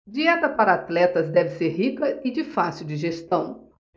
dieta para atletas deve ser rica e de fácil digestão